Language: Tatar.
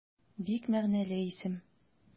Бик мәгънәле исем.